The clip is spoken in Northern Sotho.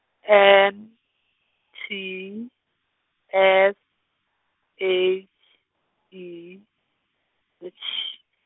M T S H E, le Š.